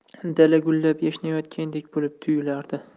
dala gullab yashnayotgandek bo'lib tuyulardi